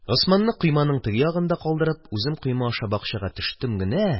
Госманны койманың теге ягында калдырып, үзем койма аша бакчага төштем генә.